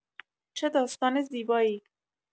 چه داستان زیبایی!